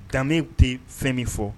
Danbew tɛ fɛn min fɔ